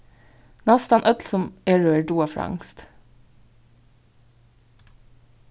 næstan øll sum eru her duga franskt